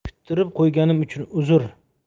kuttirib qo'yganim uchun uzr